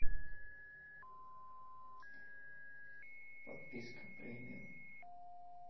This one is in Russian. подписка премиум